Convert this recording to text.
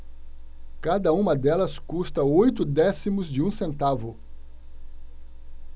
cada uma delas custa oito décimos de um centavo